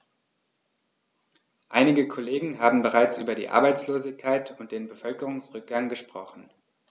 Einige Kollegen haben bereits über die Arbeitslosigkeit und den Bevölkerungsrückgang gesprochen.